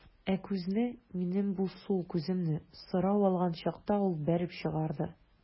Ә күзне, минем бу сул күземне, сорау алган чакта ул бәреп чыгарды.